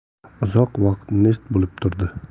uzoq vaqt nest bo'lib turdi